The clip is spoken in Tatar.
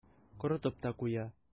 Корып та куя.